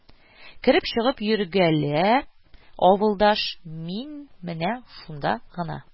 Кереп-чыгып йөргәлә, авылдаш, мин менә шунда гына